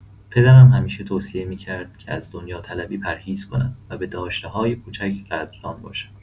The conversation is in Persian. پدرم همیشه توصیه می‌کرد که از دنیاطلبی پرهیز کنم و به داشته‌های کوچک قدردان باشم.